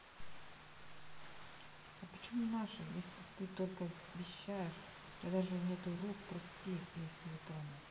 а почему наши если ты только общаешься у тебя даже нету рук прости если затронул